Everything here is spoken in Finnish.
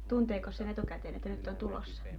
tunteekos sen etukäteen että nyt on tulossa